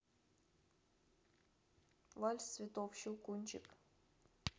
вальс цветов щелкунчик